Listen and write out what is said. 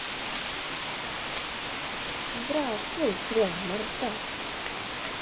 здравствуй хрен мордастый